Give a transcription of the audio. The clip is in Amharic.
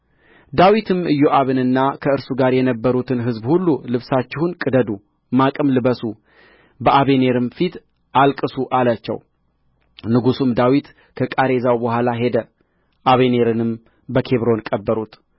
ዳዊትም ኢዮአብንና ከእርሱ ጋር የነበሩትን ሕዝብ ሁሉ ልብሳችሁን ቅደዱ ማቅም ልበሱ በአበኔርም ፊት አልቅሱ አላቸው ንጉሡም ዳዊት ከቃሬዛው በኋላ ሄደ አበኔርንም በኬብሮን ቀበሩት